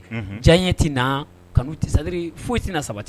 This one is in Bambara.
Diya tɛna na kanu tɛ sadiri foyi tɛ tɛnaina sabati